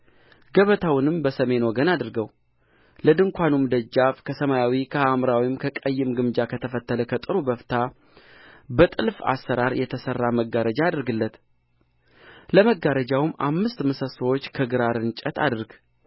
ገበታውንም በሰሜን ወገን አድርገው ለድንኳኑም ደጃፍ ከሰማያዊ ከሐምራዊም ከቀይም ግምጃ ከተፈተለ ከጥሩ በፍታም በጥልፍ አሠራር የተሠራ መጋረጃ አድርግለት ለመጋረጃውም አምስት ምሰሶች ከግራር እንጨት አድርግ